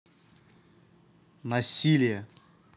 насилие